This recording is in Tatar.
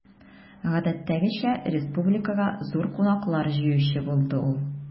Гадәттәгечә, республикага зур кунаклар җыючы булды ул.